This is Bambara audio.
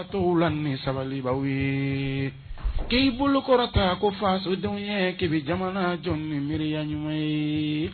Bato la ni sabalibaw ye k'i bolokɔrɔta ko fadenwya' bɛ jamana jɔn nibereya ɲuman ye